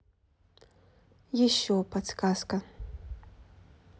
еще подсказка